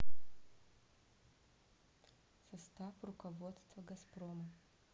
состав руководства газпрома